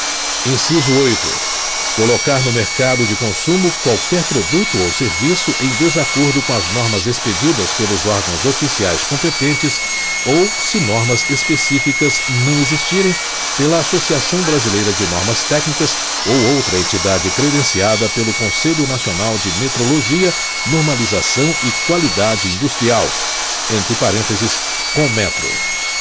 inciso oito colocar no mercado de consumo qualquer produto ou serviço em desacordo com as normas expedidas pelos órgãos oficiais competentes ou se normas específicas não existirem pela associação brasileira de normas técnicas ou outra entidade credenciada pelo conselho nacional de metrologia normalização e qualidade industrial entre parênteses conmetro